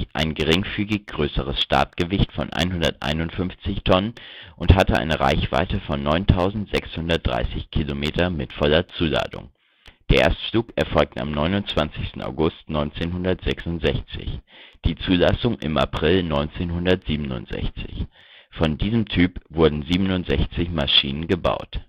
ein geringfügig größeres Startgewicht von 151 Tonnen und hatte eine Reichweite von 9.630 km mit voller Zuladung. Der Erstflug erfolgte am 29. August 1966, die Zulassung im April 1967. Von diesem Typ wurden 67 Maschinen gebaut